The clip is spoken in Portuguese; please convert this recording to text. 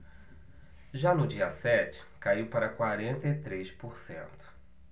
já no dia sete caiu para quarenta e três por cento